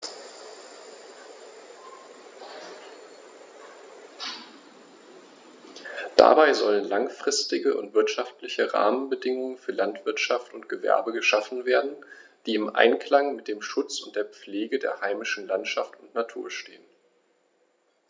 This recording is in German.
Dabei sollen langfristige und wirtschaftliche Rahmenbedingungen für Landwirtschaft und Gewerbe geschaffen werden, die im Einklang mit dem Schutz und der Pflege der heimischen Landschaft und Natur stehen.